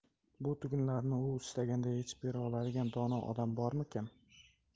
bu tugunlarni u istaganday yechib bera oladigan dono odam bormikin